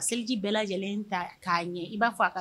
A seliji bɛɛ lajɛlen ta k'a ɲɛ i'a fɔ a